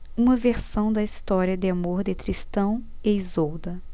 uma versão da história de amor de tristão e isolda